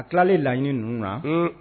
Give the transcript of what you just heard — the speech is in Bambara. A tilalen laɲini ninnu na